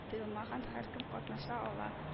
Тыелмаган һәркем катнаша ала